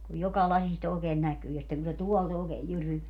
kun joka lasista oikein näkyy ja sitten kun se tuolta oikein jyryää